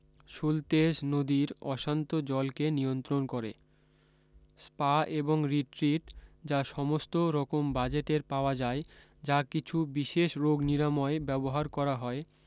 সুলতেজ নদীর অশান্ত জলকে নিয়ন্ত্রণ করে স্পা এবং রিট্রিট যা সমস্ত রকম বাজেটের পাওয়া যায় যা কিছু বিশেষ রোগ নিরাময় ব্যবহার করা হয়